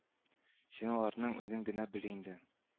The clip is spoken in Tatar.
Син аларны үзең генә бел инде